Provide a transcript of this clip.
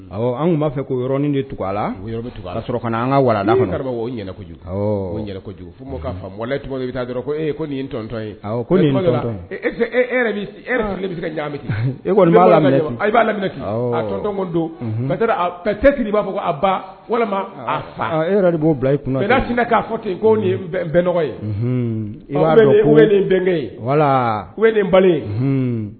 An tun b'a fɛ koɔrɔnin de tugu ka kojugu bɛ taa e ko nin n tɔntɔn ye e bɛ se e b'a lam a don ka i b'a fɔ ko ba walima fa e yɛrɛ b'o bila i ti k'a fɔ ten ko nin nɔgɔ ye wala ba